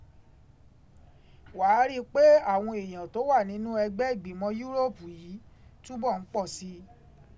Wàá rí i pé àwọn èèyàn tó wà nínú ẹgbẹ́ ìgbìnmọ Yúróòpù yìí túbọ̀ ń pọ̀ sí i.